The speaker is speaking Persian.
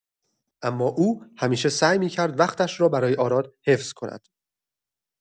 اما او همیشه سعی می‌کرد وقتش را برای آراد حفظ کند.